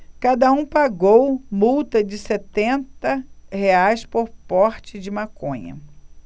cada um pagou multa de setenta reais por porte de maconha